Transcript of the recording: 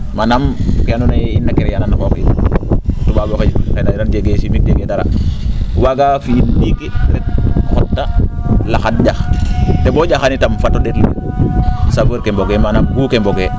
manaam ke andoona yee in na creer an a qoox in o toubab oxe xandaniran jegee chimique jegee dara waaga fi'in ndiiki ret xot ta laxad ?ax to bo o ?axani tam fato ?eetlu saveur ke mbogee manaam gout ke mbogee